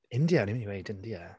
India. O'n i'n mynd i weud India.